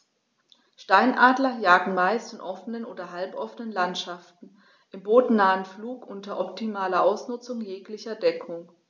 Steinadler jagen meist in offenen oder halboffenen Landschaften im bodennahen Flug unter optimaler Ausnutzung jeglicher Deckung.